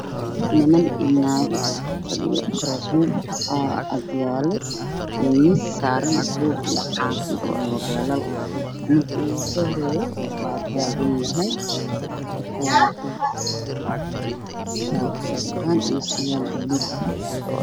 Niman iyo naago fadhiyo kuraasooyin waxaa ag yaalo miis saaran buug iyo caafi iyo moobeelal